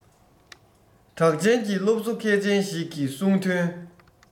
གྲགས ཅན གྱི སློབ གསོ མཁས ཅན ཞིག གིས གསུངས དོན